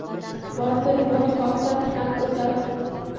botir botqoqdan ham